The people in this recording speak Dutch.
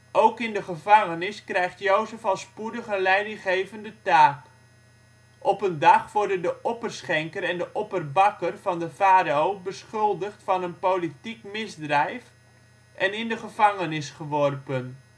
Ook in de gevangenis krijgt Jozef al spoedig een leidinggevende taak. Op een dag worden de opperschenker en de opperbakker van de farao beschuldigd van een politiek misdrijf en in de gevangenis geworpen